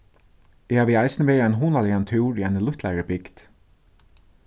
eg havi eisini verið ein hugnaligan túr í eini lítlari bygd